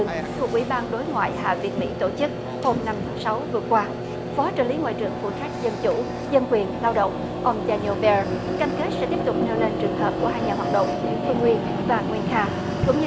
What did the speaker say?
thuộc ủy ban đối ngoại hạ viện mỹ tổ chức hôm năm tháng sáu vừa qua phó trợ lý ngoại trưởng phụ trách dân chủ dân quyền lao động ông gia nô be cam kết sẽ tiếp tục nêu lên trường hợp của hai nhà hoạt động phương uyên và nguyên kha cũng như